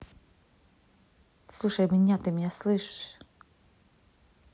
слушай меня ты меня слышишь